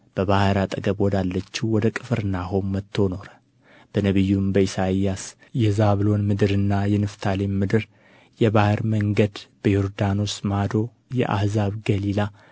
በባሕር አጠገብ ወደ አለችው ወደ ቅፍርናሆም መጥቶ ኖረ በነቢዩም በኢሳይያስ የዛብሎን ምድርና የንፍታሌም ምድር የባሕር መንገድ በዮርዳኖስ ማዶ የአሕዛብ ገሊላ